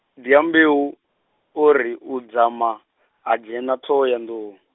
Dyambeu, o ri u dzama, ha dzhena Ṱhohoyanḓou.